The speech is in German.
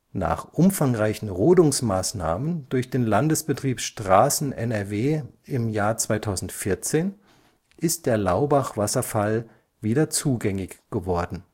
Nach umfangreichen Rodungsmaßnahmen durch den Landesbetrieb Straßen.NRW im Jahr 2014 ist der Laubach-Wasserfall wieder zugängig geworden